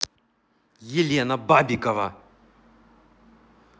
елена бабиков